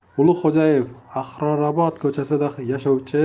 ulug'xo'jayev ahrorobod ko'chasida yashovchi